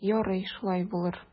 Ярый, шулай булыр.